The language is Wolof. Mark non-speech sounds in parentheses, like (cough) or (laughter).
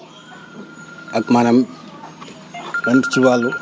(crosstalk) ak maanaam (noise) ci wàllu